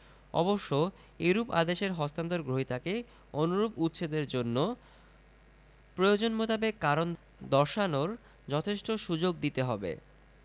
অবশ্য এরূপ আদেশের হস্তান্তর গ্রহীতাকে অনুরূপ উচ্ছেদের জন্য প্রয়োজন মোতাবেক কারণ দর্শানোর যথেষ্ট সুযোগ দিতে হবে